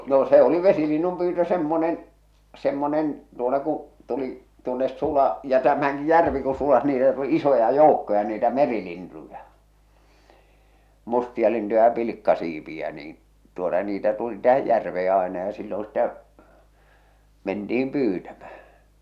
no se oli vesilinnun pyytö semmoinen semmoinen tuota kun tuli tuonne sula ja tämänkin järvi kun suli niitä tuli isoja joukkoja niitä merilintuja mustialintuja ja pilkkasiipiä niin tuota niitä tuli tähän järveen aina ja silloin sitä mentiin pyytämään